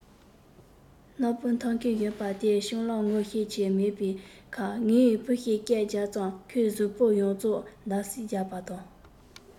སྣམ སྤུ འཐགས མཁན གཞོན པ དེས སྤྱང ལགས ངོ ཤེས ཀྱི མེད པའི ཁར ངའི བུ ཞེས སྐད རྒྱབ ཙང ཁོའི གཟུགས པོ ཡོངས རྫོགས འདར གསིག རྒྱག པ དང